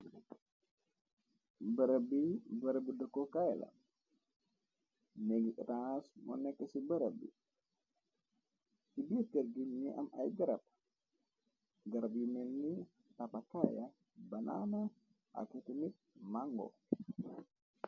berab bi barab bi dëkko kaayla neggi rance mo nekk ci barab bi ci diir kërgi ni am ay garab garab yu melni tapa kaaya ba naana akitu mit mango